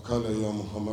K'a la ya muha